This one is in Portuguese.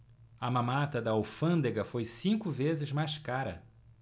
a mamata da alfândega foi cinco vezes mais cara